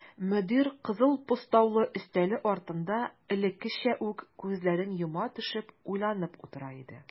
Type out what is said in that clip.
Мөдир кызыл постаулы өстәле артында элеккечә үк күзләрен йома төшеп уйланып утыра иде.